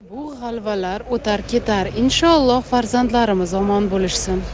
bu g'alvalar o'tar ketar inshoolloh farzandlarimiz omon bo'lishsin